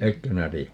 etkö sinä tiedä